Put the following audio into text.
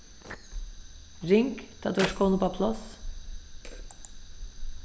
ring tá tú ert komin upp á pláss